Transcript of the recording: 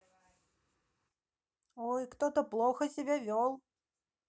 ой кто то плохо себя вел